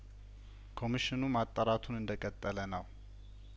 ኮሚሽኑ ማጣራቱን እንደቀጠለነው